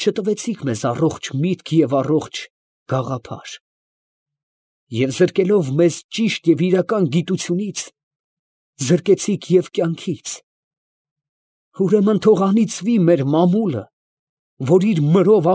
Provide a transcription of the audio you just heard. Չտվեցիք մեզ առողջ միտք և առողջ գաղափար, և զրկելով մեզ ճիշտ և իրական գիտությունից, զրկեցիք և կյանքից… Ուրեմն, թո՛ղ անիծվի՜ մեր մամուլը, որ իր մրով։